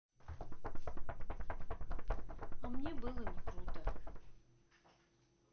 а мне было не круто